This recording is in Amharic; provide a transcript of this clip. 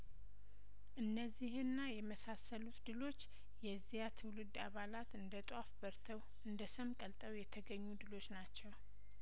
እነዚህና የመሳሰሉት ድሎች የዚያ ትውልድ አባላት እንደጧፍ በርተው እንደሰም ቀልጠው የተገኙ ድሎች ናቸው